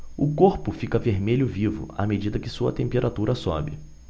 o corpo fica vermelho vivo à medida que sua temperatura sobe